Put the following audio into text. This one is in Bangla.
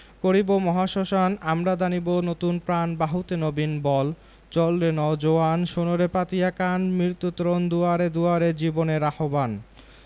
করিব মহাশ্মশান আমরা দানিব নতুন প্রাণ বাহুতে নবীন বল চল রে নও জোয়ান শোন রে পাতিয়া কান মৃত্যু তরণ দুয়ারে দুয়ারে জীবনের আহবান